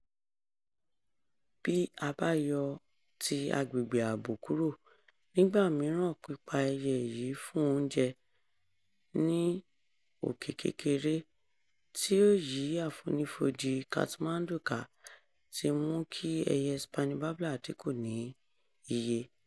Bí a bá yọ ti agbègbè ààbò kúrò, nígbà mìíràn pípa ẹyẹ yìí fún oúnjẹ, ní òkè kékeré tí ó yí àfonífojì Kathmandu ká ti mú kí ẹyẹ Spiny Babbler dínkù ni iye.